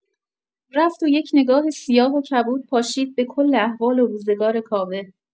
رفت و یک رنگ سیاه و کبود پاشید به‌کل احوال و روزگار کاوه.